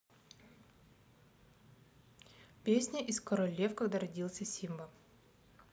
песня из король лев когда родился симба